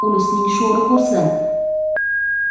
ulusning sho'ri qursin